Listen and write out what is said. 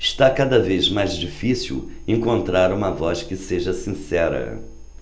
está cada vez mais difícil encontrar uma voz que seja sincera